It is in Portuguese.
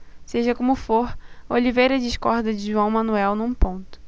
seja como for oliveira discorda de joão manuel num ponto